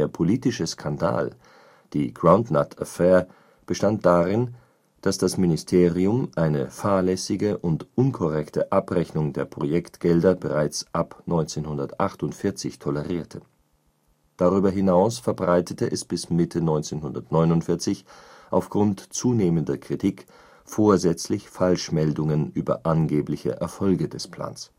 politische Skandal, die Groundnut Affair, bestand darin, dass das Ministerium eine fahrlässige und unkorrekte Abrechnung der Projektgelder bereits ab Anfang 1948 tolerierte. Darüber hinaus verbreitete es bis Mitte 1949 aufgrund zunehmender Kritik vorsätzlich Falschmeldungen über angebliche Erfolge des Plans